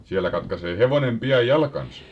siellä katkaisee hevonen pian jalkansa